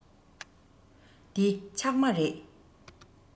འདི ཕྱགས མ རིད